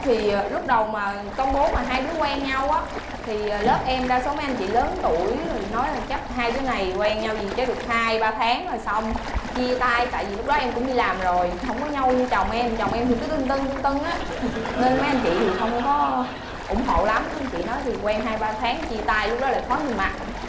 thì lúc đầu mà công bố mà hai đứa quen nhau á thì lớp em đa số mấy anh chị lớn tuổi rồi nói là chắc hai đứa này quen nhau gì chắc được hai ba tháng là xong chia tay tại vì lúc đó em cũng làm rồi hổng có nhoi như chồng em chồng em thì cứ tưng tưng tưng tưng á nên mấy anh chị thì hông có ủng hộ lắm mấy anh chị nói thì quen hai ba tháng chia tay lúc đó lại khó nhìn mặt